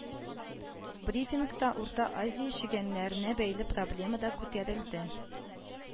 Брифингта Урта Азия чегәннәренә бәйле проблема да күтәрелде